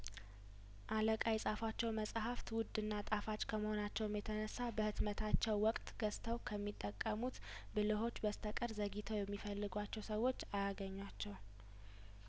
አለቃ የጻፏቸው መጽሀፍት ውድና ጣፋጭ ከመሆ ናቸውም የተነሳ በህትመታቸው ወቅት ገዝተው ከሚጠቀሙት ብልህዎች በስተቀር ዘግይተው የሚፈልጓቸው ሰዎች አያገኟቸውም